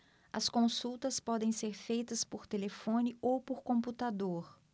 as consultas podem ser feitas por telefone ou por computador